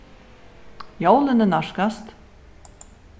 jólini nærkast